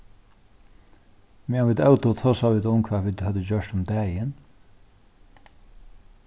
meðan vit ótu tosaðu vit um hvat vit høvdu gjørt um dagin